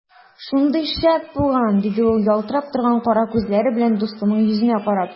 Шундый шәп булган! - диде ул ялтырап торган кара күзләре белән дусының йөзенә карап.